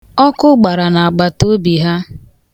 Ọkụ gbara n'agbataobi ha.